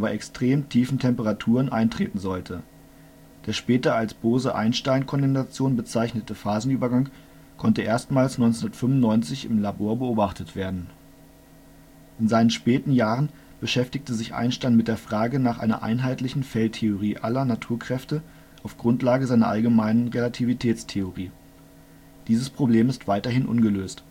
extrem tiefen Temperaturen eintreten sollte. Der später als Bose-Einstein-Kondensation bezeichnete Phasenübergang konnte erstmals 1995 im Labor beobachtet werden. In seinen späten Jahren beschäftigte sich Einstein mit der Frage nach einer einheitlichen Feldtheorie aller Naturkräfte auf Grundlage seiner Allgemeinen Relativitätstheorie. Dieses Problem ist weiterhin ungelöst